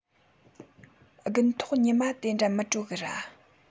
དགུན ཐོག ཉི མ དེ འདྲ མི དྲོ གི ར